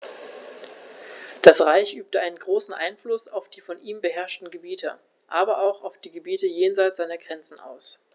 Das Reich übte einen großen Einfluss auf die von ihm beherrschten Gebiete, aber auch auf die Gebiete jenseits seiner Grenzen aus.